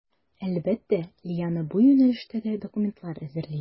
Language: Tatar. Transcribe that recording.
Әлбәттә, Лиана бу юнәлештә дә документлар әзерли.